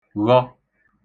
-ghọ